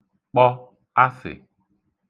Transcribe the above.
kpọ asị̀